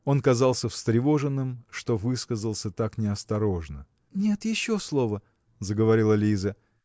Он казался встревоженным, что высказался так неосторожно. – Нет еще слово – заговорила Лиза